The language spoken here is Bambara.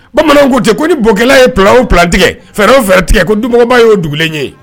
Bamananw ko ten , ko ni bokɛla ye plan _ o plan tigɛ, fɛɛrɛ o fɛɛ tigɛ ko dunmɔgba y' o dugulen ye.